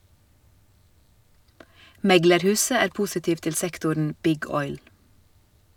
Meglerhuset er positiv til sektoren "Big oil".